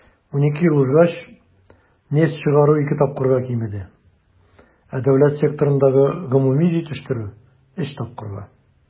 12 ел узгач нефть чыгару ике тапкырга кимеде, ә дәүләт секторындагы гомуми җитештерү - өч тапкырга.